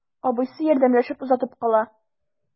Абыйсы ярдәмләшеп озатып кала.